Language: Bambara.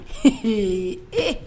Ee e